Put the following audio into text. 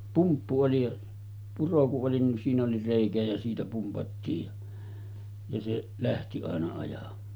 pumppu oli ja puro kun oli niin siinä oli reikä ja siitä pumpattiin ja ja se lähti aina ajamaan